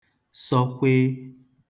sọkwịị